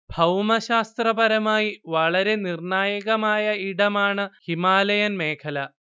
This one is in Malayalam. ഭൗമശാസ്ത്രപരമായി വളരെ നിർണായകമായ ഇടമാണ് ഹിമാലയൻ മേഖല